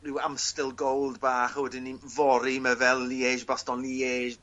rhyw Amstel Gold bach a wedyn 'ny n- fory mae fel Liège-Bastogne-Liège